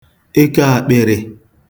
ekō ākpị̄rị̄